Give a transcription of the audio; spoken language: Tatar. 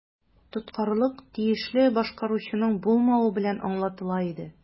Тоткарлык тиешле башкаручының булмавы белән аңлатыла иде.